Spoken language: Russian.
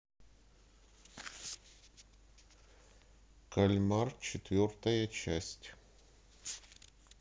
кальмар четвертая часть